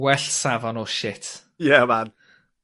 Well safon o shit. Yeah man.